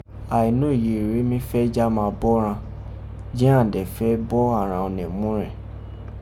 àìnóye rèé mí fé ji a maa bo ghán, ji án àn dẹ̀n fẹ bo àghan ọnọ̀múerẹ̀n.